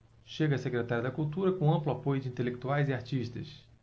chega a secretário da cultura com amplo apoio de intelectuais e artistas